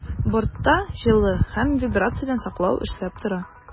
Бортта җылы һәм вибрациядән саклау эшләп тора.